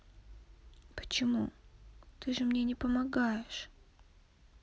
почему ты же мне не помогаешь